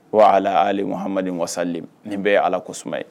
Waha wasa nin bɛ ye ala ko ye